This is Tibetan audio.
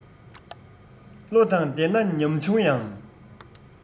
བློ དང ལྡན ན ཉམ ཆུང ཡང